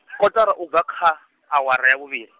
kotara u bva kha, awara ya vhuvhili .